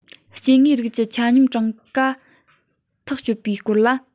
སྐྱེ དངོས རིགས ཀྱི ཆ སྙོམས གྲངས ཀ ཐག གཅོད པའི སྐོར ལ